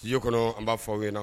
Studio kɔnɔ an b'a fɔ aw ɲɛna